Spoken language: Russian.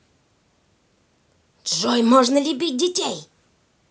джой можно ли бить детей